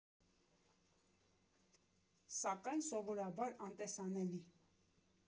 Սակայն սովորաբար անտեսանելի։